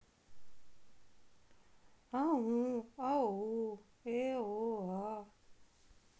ау ау э о а